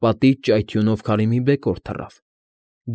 Պատից ճայթյունով քարի մի բեկոր թռավ։